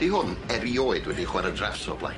Dwi hwn erioed wedi chwara draffts o'r blaen.